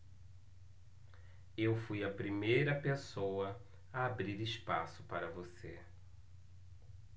eu fui a primeira pessoa a abrir espaço para você